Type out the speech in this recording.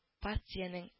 Партиянең